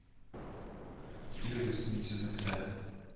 Килегез, мин сезне көтәм